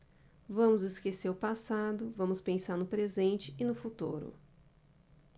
vamos esquecer o passado vamos pensar no presente e no futuro